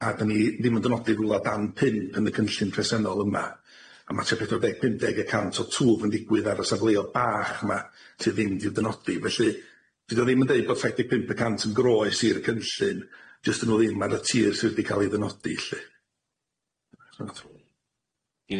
A 'dan ni ddim yn dynodi rwla dan pump yn y cynllun presennol yma a ma' tua pedwar deg pum deg y cant o twf yn digwydd ar y safleodd bach 'ma sydd ddim di'w dynodi felly fydd o ddim yn deud bod saith deg pump y cant yn groes i'r cynllun jys di nw ddim ar y tir sydd di ca'l 'i ddynodi lly.